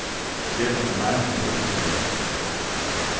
set ein alarm til klokkan tvey